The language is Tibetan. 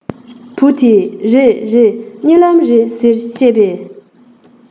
བུ དེས རེད རེད གཉིད ལམ རེད ཟེར བཤད པས